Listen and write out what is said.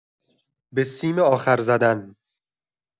به سیم آخر زدن